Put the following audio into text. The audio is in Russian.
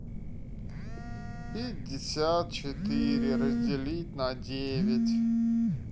пятьдесят четыре разделить на девять